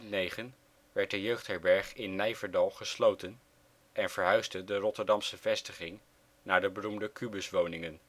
2009 werd de jeugdherberg in Nijverdal gesloten en verhuisde de Rotterdamse vestiging naar de beroemde kubuswoningen